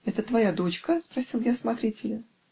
"Это твоя дочка?" -- спросил я смотрителя.